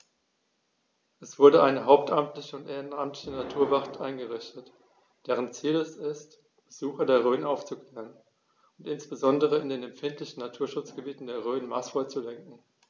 Es wurde eine hauptamtliche und ehrenamtliche Naturwacht eingerichtet, deren Ziel es ist, Besucher der Rhön aufzuklären und insbesondere in den empfindlichen Naturschutzgebieten der Rhön maßvoll zu lenken.